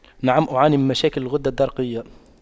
نعم أعاني من مشاكل الغدة الدرقية